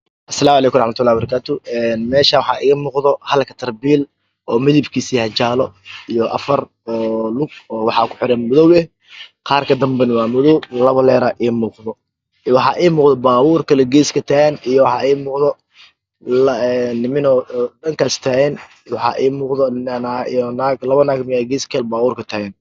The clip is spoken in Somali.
Asalaamu caleykum warax matul allhi wa barakaatu meshan waxa iga muuqdo hal katar biin midibkiisa yahy jaalo afar lug waxa ku xiran madow ah qarka dambe waa madow labo leer waa ii muqdan waxakalo ii muuqdo baabur kale gees katagan waxa ii muqdo labo nin dhan kaasbtaagan labo naag gees kale baburka kataagan